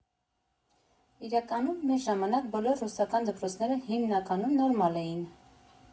Իրականում՝ մեր ժամանակ, բոլոր ռուսական դպրոցները, հիմնականում, նորմալ էին։